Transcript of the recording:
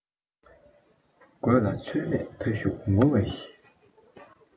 དགོད ལ ཚོད མེད མཐའ གཞུག ངུ བའི གཞི